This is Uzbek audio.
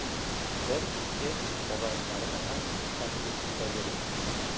bir ikki og'aynilarni ham taklif etavering